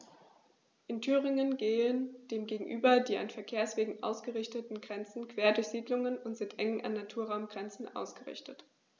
In Thüringen gehen dem gegenüber die an Verkehrswegen ausgerichteten Grenzen quer durch Siedlungen und sind eng an Naturraumgrenzen ausgerichtet.